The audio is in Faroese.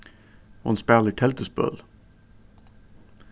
hon spælir telduspøl